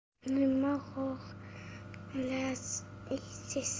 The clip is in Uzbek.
nima xohlaysiz